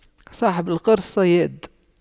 صاحب القرش صياد